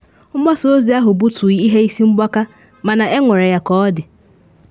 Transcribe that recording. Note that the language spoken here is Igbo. Mgbasa ozi ahụ bụtụ ihe isi mgbaka mana enwere ya ka ọ dị.